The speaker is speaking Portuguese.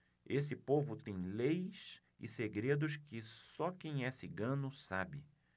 esse povo tem leis e segredos que só quem é cigano sabe